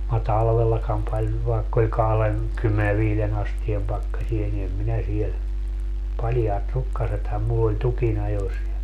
minä talvellakaan paljon vaikka oli -- kahdenkymmenenviiden asteen pakkasia niin en minä siellä paljaat rukkasethan minulla oli tukinajossa ja